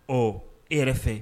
Ɔ e yɛrɛ fɛ